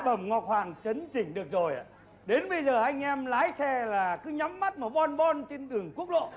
bẩm ngọc hoàng chấn chỉnh được rồi ạ đến bây giờ anh em lái xe là cứ nhắm mắt mà bon bon trên đường quốc lộ